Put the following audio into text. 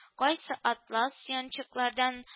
Кайсы атлас янчыклардан